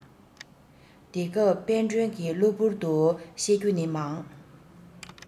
དེ སྐབས དཔལ སྒྲོན གྱི གློ བུར དུ བཤད རྒྱུ ནི མང